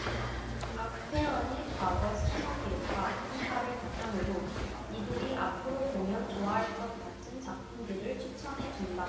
각 회원의 과거 시청 기록과 평가를 바탕으로 이들이 앞으로 보면 좋아할 것 같은 작품들을 추천해 준다